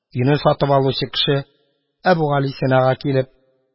Өйне сатып алучы кеше, Әбүгалисинага килеп: